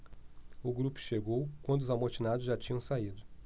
o grupo chegou quando os amotinados já tinham saído